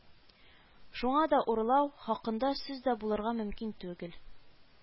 Шуңа да урлау хакында сүз дә булырга мөмкин түгел